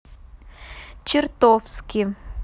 чертовски